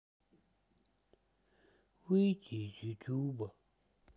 выйти из ютуба